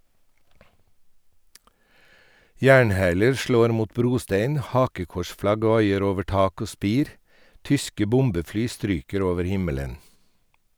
Jernhæler slår mot brostein, hakekorsflagg vaier over tak og spir, tyske bombefly stryker over himmelen.